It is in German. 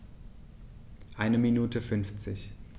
Eine Minute 50